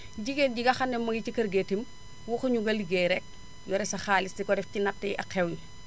jigéen ji nga xam ne mi ngi ci kër gi itam waxuñu nga ligéey rek yore sa xaalis di ko def ci natt yi ak xew yi